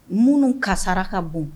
Minnu kasara ka bon